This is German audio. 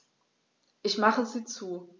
Ich mache sie zu.